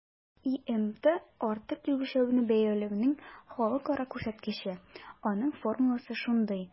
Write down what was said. ИМТ - артык үлчәүне бәяләүнең халыкара күрсәткече, аның формуласы шундый: